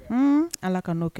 Hunnn Ala kan'o kɛ